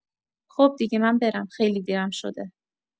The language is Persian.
خب دیگه من برم خیلی دیرم شده